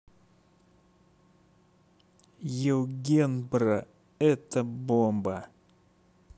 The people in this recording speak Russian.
eugenbro это бомба